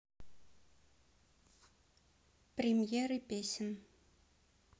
премьеры песен